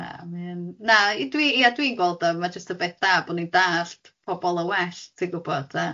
Na mae'n na i dwi ia dwi'n gweld o mae jyst yn beth da bod ni'n dallt pobol yn well ti'n gwybod